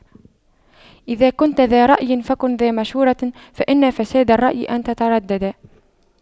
إذا كنتَ ذا رأيٍ فكن ذا مشورة فإن فساد الرأي أن تترددا